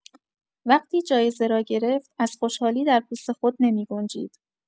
وقتی جایزه را گرفت، از خوشحالی در پوست خود نمی‌گنجید.